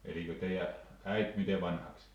elikö teidän äiti miten vanhaksi